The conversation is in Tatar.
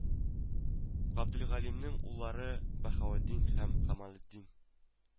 Габделгалимнең уллары Баһаветдин һәм Камалетдин